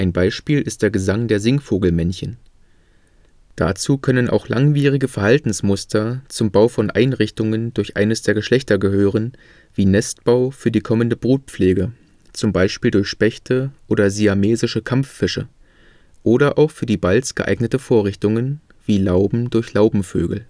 Beispiel ist der Gesang der Singvogelmännchen. Dazu können auch langwierige Verhaltensmuster zum Bau von Einrichtungen durch eines der Geschlechter gehören wie Nestbau für die kommende Brutpflege (z. B. durch Spechte oder Siamesische Kampffische) oder auch für die Balz geeignete Vorrichtungen (wie Lauben durch Laubenvögel